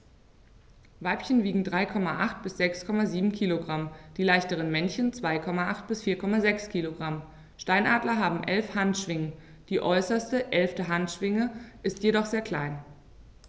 Weibchen wiegen 3,8 bis 6,7 kg, die leichteren Männchen 2,8 bis 4,6 kg. Steinadler haben 11 Handschwingen, die äußerste (11.) Handschwinge ist jedoch sehr klein.